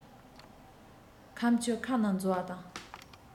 ཁམ ཆུ ཁ ནང འཛུལ བ དང